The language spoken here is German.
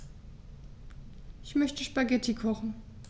Ich möchte Spaghetti kochen.